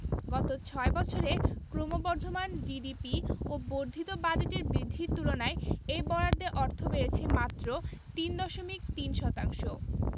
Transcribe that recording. গত ছয় বছরে ক্রমবর্ধমান জিডিপি ও বর্ধিত বাজেটের বৃদ্ধির তুলনায় এই বরাদ্দে অর্থ বেড়েছে মাত্র তিন দশমিক তিন শতাংশ